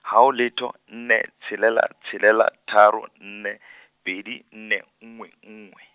haho letho, nne, tshelela, tshelela, tharo, nne , pedi, nne, nngwe, nngwe.